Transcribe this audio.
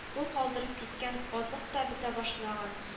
Ул калдырып киткән азык та бетә башлаган